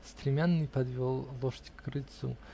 Стремянный подвел лошадь к крыльцу